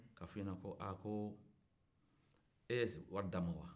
ka f'i ɲɛna ko e wari d'a ma wa